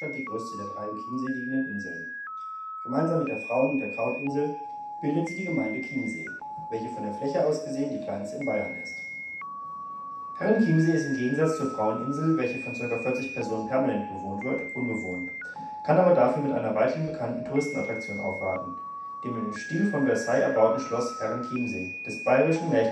Chiemsee liegenden Inseln. Gemeinsam mit der Frauen - und der Krautinsel bildet sie die Gemeinde " Chiemsee ", welche nach der Landfläche die kleinste in Bayern ist. Herrenchiemsee ist im Gegensatz zur Fraueninsel, welche von ca. 40 Personen permanent bewohnt wird, unbewohnt, kann aber dafür mit einer weithin bekannten Touristenattraktion aufwarten: dem im Stil von Versailles erbauten Neuen Schloss Herrenchiemsee des bayerischen " Märchenkönigs " Ludwig